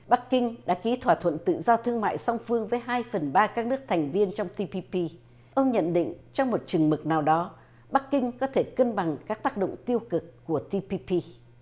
bắc kinh đã ký thỏa thuận tự do thương mại song phương với hai phần ba các nước thành viên trong ti pi pi ông nhận định trong một chừng mực nào đó bắc kinh có thể cân bằng các tác động tiêu cực của ti pi pi